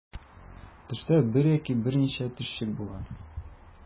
Төштә бер яки берничә төшчек була.